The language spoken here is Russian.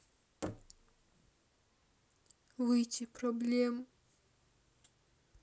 выйти проблем